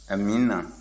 amiina